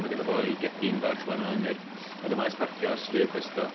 Ma' ganddo fo ei gegin bach fan'na yn yr yn y maes parcio ar stryd Pesda.